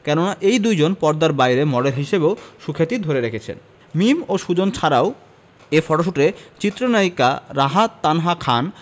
কেননা এই দুইজন পর্দার বাইরে মডেল হিসেবেও সুখ্যাতি ধরে রেখেছেন মিম ও সুজন ছাড়াও এ ফটোশ্যুটে চিত্রনায়িকা রাহা তানহা খান